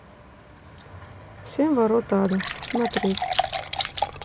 семь ворот ада смотреть